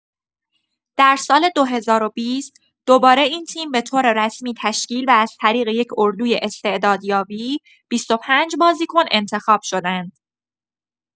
در سال ۲۰۲۰، دوباره این تیم به‌طور رسمی تشکیل و از طریق یک اردوی استعدادیابی، ۲۵ بازیکن انتخاب شدند.